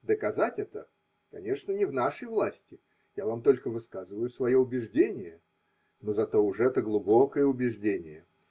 Доказать это, конечно, не в нашей власти: я вам только высказываю свое убеждение, но зато уж это – глубокое убеждение.